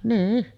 niin